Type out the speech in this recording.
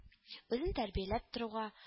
Үзен тәрбияләп торуга